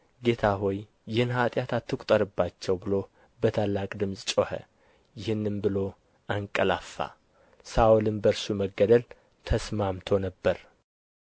ጌታ ሆይ ይህን ኃጢአት አትቍጠርባቸው ብሎ በታላቅ ድምፅ ጮኸ ይህንም ብሎ አንቀላፋ ሳውልም በእርሱ መገደል ተስማምቶ ነበር